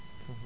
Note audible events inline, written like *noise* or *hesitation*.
*hesitation* *hesitation*